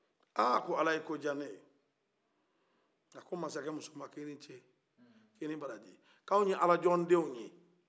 aa a ko ala ye e koja ne ye a ko masakɛ muso ma ko a ni ce k'a ni baraji ko anw ye ala jɔn denw ye